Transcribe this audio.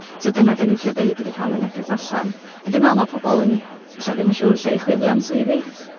So dyna dan ni'n trio deud, ydy cael y neges allan. A dwi'n meddwl ma' pobl yn ella ddim yn siwr lle i chwilio am swyddi?